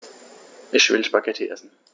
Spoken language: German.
Ich will Spaghetti essen.